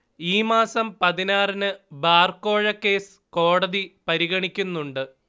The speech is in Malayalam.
ഈ മാസം പതിനാറിന് ബാർ കോഴക്കേസ് കോടതി പരിഗണിക്കുന്നുണ്ട്